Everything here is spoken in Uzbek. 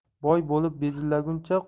boy bo'lib bezillaguncha